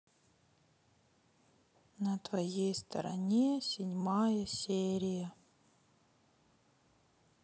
на твоей стороне седьмая серия